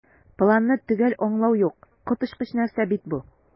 "планны төгәл аңлау юк, коточкыч нәрсә бит бу!"